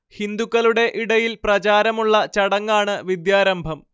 ഹിന്ദുക്കളുടെ ഇടയിൽ പ്രചാരമുള്ള ചടങ്ങാണ് വിദ്യാരംഭം